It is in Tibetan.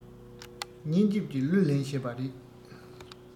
སྙན འཇེབས ཀྱི གླུ ལེན ཤེས པ རེད